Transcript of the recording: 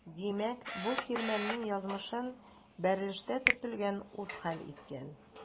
Димәк бу кирмәннең язмышын бәрелештә төртелгән ут хәл иткән.